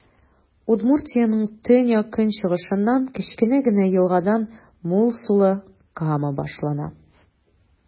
Удмуртиянең төньяк-көнчыгышыннан, кечкенә генә елгадан, мул сулы Кама башлана.